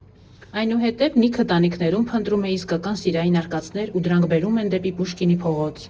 Այնուհետև Նիքը տանիքներում փնտրում է իսկական սիրային արկածներ ու դրանք բերում են դեպի Պուշկինի փողոց։